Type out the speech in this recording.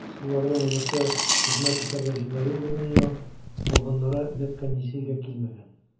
Шуларның унысы хезмәт итәргә җибәрү урынына, калганнары медкомиссиягә килмәгән.